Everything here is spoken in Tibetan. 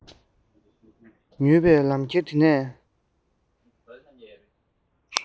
ཉུལ པའི ལམ ཁྱེར འདི ནས